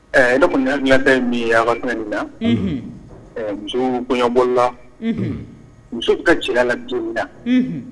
ɛɛ ne kɔni hakilinta ye min ye aw ka fɛn ninnu na , muso kɔɲɔbɔli la, muso bɛ taaga a cɛla la don min na